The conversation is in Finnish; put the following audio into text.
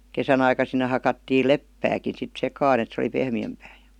kesän aikaan sinne hakattiin leppääkin sitten sekaan että se oli pehmeämpää ja